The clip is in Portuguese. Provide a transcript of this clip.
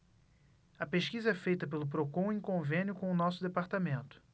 a pesquisa é feita pelo procon em convênio com o diese